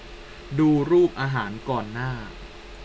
ดูรูปอาหารก่อนหน้า